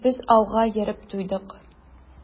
Без ауга йөреп туйдык.